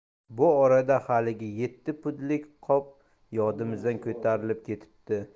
bu orada haligi yetti pudlik qop yodimizdan ko'tarilib ketibdi